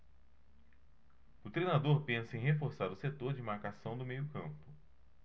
o treinador pensa em reforçar o setor de marcação do meio campo